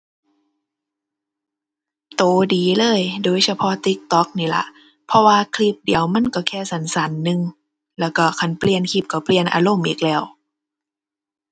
ตัวดีเลย โดยเฉพาะ TikTok นี่ล่ะ เพราะว่าคลิปเดียวมันก็แค่สั้นสั้นหนึ่ง แล้วตัวคันเปลี่ยนคลิปตัวเปลี่ยนอารมณ์อีกแล้ว